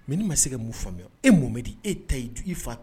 Mɛ ne ma se mun faamuya e mɔmɛ di e ta